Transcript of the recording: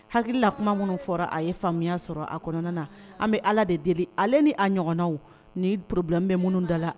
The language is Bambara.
Hakilila kuma minnu fɔra a ye faamuyaya sɔrɔ a kɔnɔna na, an bɛ allah de deeli la le ni a ɲɔgɔnnaw, ni problème bɛ minnu dala la